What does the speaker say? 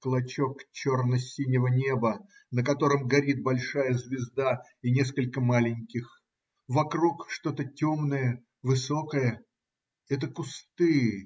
клочок черно-синего неба, на котором горит большая звезда и несколько маленьких, вокруг что-то темное, высокое. Это - кусты.